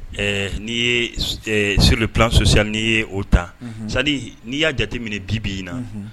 N'i ye surleplansosi n'i ye o ta sa n'i y'a jate minɛ bibi i na